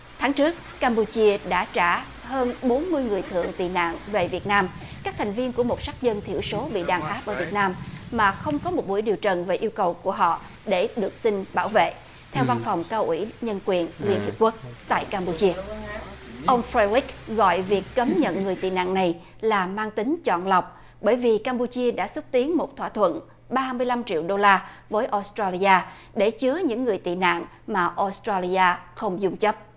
tháng trước cam pu chia đã trả hơn bốn mươi người thượng tị nạn về việt nam các thành viên của một sắc dân thiểu số bị đàn áp ở việt nam mà không có một buổi điều trần về yêu cầu của họ để được xin bảo vệ theo văn phòng cao ủy nhân quyền liên hiệp quốc tại cam pu chia ông phai guếch gọi việc cấm nhận người tị nạn này là mang tính chọn lọc bởi vì cam pu chia đã xúc tiến một thỏa thuận ba mươi lăm triệu đô la với ốt tra li a để chứa những người tị nạn mà ốt tra li a không dùng chất